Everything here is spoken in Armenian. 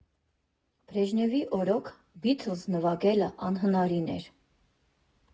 Բրեժնևի օրոք Բիթլզ նվագելը անհնարին էր։